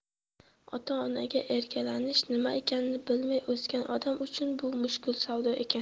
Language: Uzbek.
ota onaga erkalanish nima ekanini bilmay o'sgan odam uchun bu mushkul savdo ekan